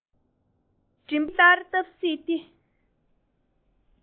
མགྲིན པ གཟེངས ནས ལན འདི ལྟར བཏབ སྲིད དེ